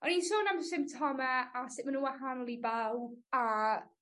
O'n i'n sôn am symptome a sut ma' n'w wahanol i bawb a